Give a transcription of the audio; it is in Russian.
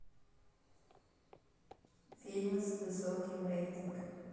фильмы с высоким рейтингом